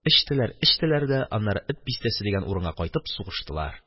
Эчтеләр, эчтеләр дә, аннары Эт бистәсе дигән урынга кайтып сугыштылар.